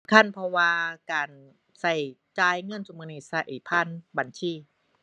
คัญ เพราะว่าการใช้จ่ายเงินซุมื้อนี้ ใช้ผ่านบัญชี